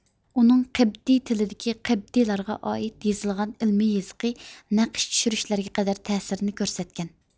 ئۇنىڭ قېبتىي تىلىدىكى قېبتىيلارغا ئائىت يىزىلغان ئىلمى يىزىقى نەقىش چۈشۈرۈشلەرگە قەدەر تەسىرىنى كۆرسەتكەن